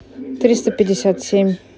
триста пятьдесят семь